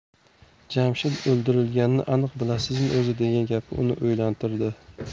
jamshid o'ldirilganini aniq bilasizmi o'zi degan gapi uni o'ylantirdi